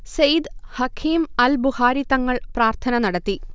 സെയ്ദ് ഹഖീം അൽ ബുഹാരി തങ്ങൾ പ്രാർത്ഥന നടത്തി